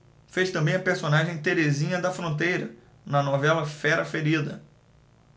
fez também a personagem terezinha da fronteira na novela fera ferida